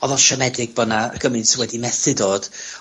Odd o siomedig bo' 'na yy gymint wedi methu dod.